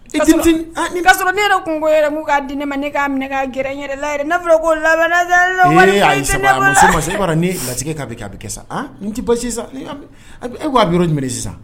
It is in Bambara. Nin kaa sɔrɔ ne yɛrɛ tun ko''a di ne ma ne'a minɛ gɛrɛ la n ne fɔra ko lala kɛ n tɛ sisan e ko aa bɛ yɔrɔ jumɛn sisan